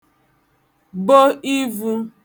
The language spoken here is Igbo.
bo ivū